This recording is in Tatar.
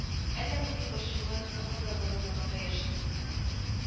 Әллә нинди борчулы, ыгы-зыгылы заманда яшибез